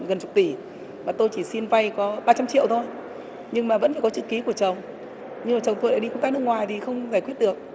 gần chục tỷ mà tôi chỉ xin vay có ba trăm triệu thôi nhưng mà vẫn có chữ ký của chồng nhưng mà chồng tôi lại đi công tác nước ngoài thì không giải quyết được